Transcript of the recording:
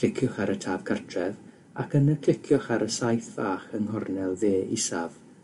cliciwch ar y tab Cartref ac yna cliciwch ar y saeth fach yng nghornel dde isaf